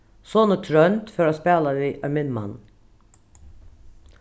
sonur trónd fór at spæla við ein vinmann